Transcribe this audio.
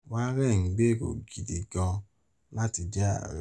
Warren ń gbèrò ‘gidi gan-an’ láti jẹ ààrẹ